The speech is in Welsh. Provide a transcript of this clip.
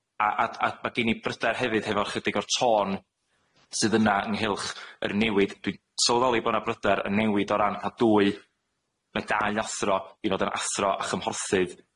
A a d- a ma' gin i bryder hefyd hefo chydig o'r tôn sydd yna ynghylch yr newid. Dwi sylweddoli bo' 'na bryder yn newid o ran ca'l dwy ne' dau athro i fod yn athro a chymhorthydd.